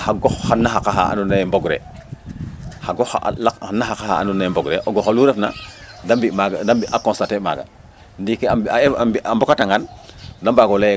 xa gox xa naxaq a andoona yee mbogree xa gox xa naxaq a andoona yee mbogree o gox olu refna da mbi' maaga a constater maaga ndiiki a mbiya aye a mbokatangan da mbag o lay e